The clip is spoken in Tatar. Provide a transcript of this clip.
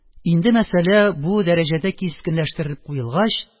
Инде мәсьәлә бу дәрәҗәдә кискенләштерелеп куелгач